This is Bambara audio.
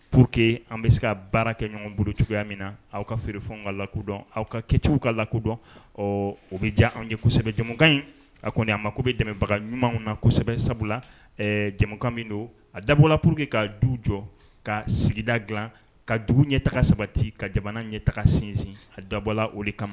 Pur que an bɛ se ka baara kɛ ɲɔgɔn bolo cogoya min na aw ka feeref ka ladɔn aw ka kɛcogo ka lakudɔn ɔ o bɛ diya anw ye kosɛbɛjakan in a kɔni a ma ko bɛ dɛmɛbaga ɲumanw nasɛbɛ sabula jamukan min don a dabɔla pour que ka du jɔ ka sigida dila ka dugu ɲɛtaa sabati ka jamana ɲɛ taga sinsin a dabɔla o de kama